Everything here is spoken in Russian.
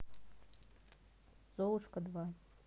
золушка два